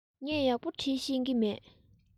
ངས ཡག པོ འབྲི ཤེས ཀྱི མེད